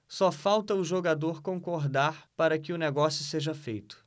só falta o jogador concordar para que o negócio seja feito